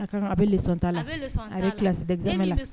A ka kan, a bɛ leçon ta la a bɛ classe d'examen la e min bɛ